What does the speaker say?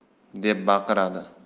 deb baqiradi